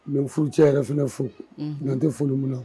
N bɛ furu cɛ yɛrɛf fo nkaan tɛ foli minna na